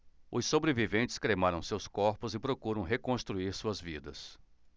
os sobreviventes cremaram seus mortos e procuram reconstruir suas vidas